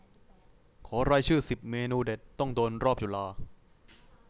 ขอรายชื่อสิบเมนูเด็ดต้องโดนรอบจุฬา